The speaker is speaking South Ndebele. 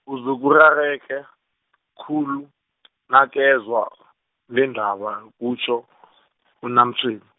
uzokurareka, khulu, nakezwa, lendaba kutjho , UNaMtshweni.